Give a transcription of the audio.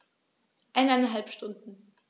Eineinhalb Stunden